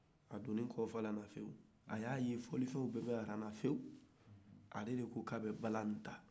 soumaworo donnen a ɲɛbɛ fɔlifen caaman na ɲɔgɔn kɔrɔ a ko k'a bɛ bala ta